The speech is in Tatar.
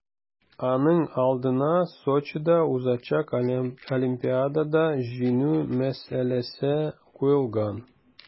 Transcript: Аның алдына Сочида узачак Олимпиадада җиңү мәсьәләсе куелган.